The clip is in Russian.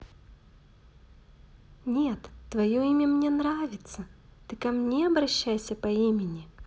нет твое имя мне нравится ты ко мне обращайся по имени